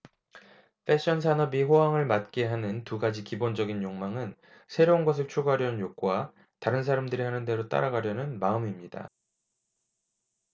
패션 산업이 호황을 맞게 하는 두 가지 기본적인 욕망은 새로운 것을 추구하려는 욕구와 다른 사람들이 하는 대로 따라가려는 마음입니다